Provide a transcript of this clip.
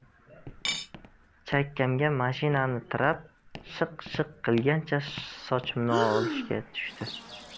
chakkamga mashinani tirab shiq shiq qilgancha sochimni olishga tushdi